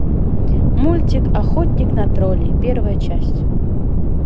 мультик охотник на троллей первая часть